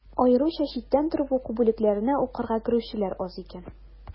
Аеруча читтән торып уку бүлекләренә укырга керүчеләр аз икән.